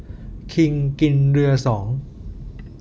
คิงกินเรือสอง